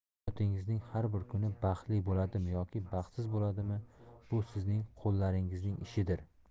hayotingizning har bir kuni baxtli bo'ladimi yoki baxtsiz bo'ladimi bu sizning qo'llaringizning ishidir